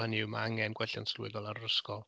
Hynny yw, ma' angen gwelliant sylweddol ar yr ysgol.